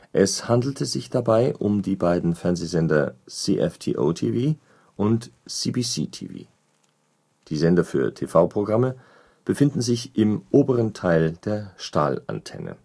Es handelte sich dabei um die beiden Fernsehsender CFTO-TV und CBC-TV. Die Sender für TV-Programme befinden sich im oberen Teil der Stahlantenne